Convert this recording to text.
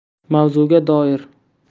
mavzuga doir